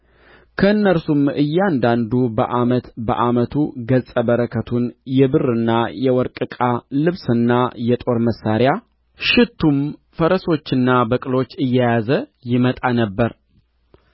ከእነርሱም እያንዳንዱ በዓመቱ በዓመቱ ገጸ በረከቱን የብርና የወርቅ ዕቃ ልብስና የጦር መሣሪያ ሽቱም ፈረሶችና በቅሎች እየያዘ ይመጣ ነበር